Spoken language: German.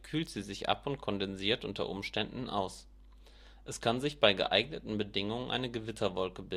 kondensiert u. U. aus. Es kann sich bei geeigneten Bedingungen eine Gewitterwolke